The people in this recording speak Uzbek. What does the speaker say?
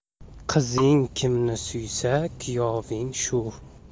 qizing kimni suysa kuyoving shu